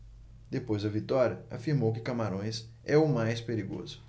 depois da vitória afirmou que camarões é o mais perigoso